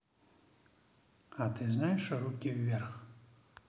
а ты знаешь руки вверх